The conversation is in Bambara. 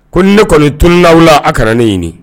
Ko ne kɔnni tununa aw a kana ne ɲini.